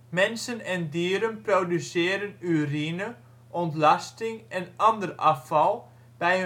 Mensen en dieren produceren urine, ontlasting en ander afval bij